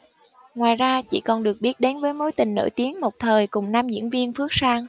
ngoài ra chị còn được biết đến với mối tình nổi tiếng một thời cùng nam diễn viên phước sang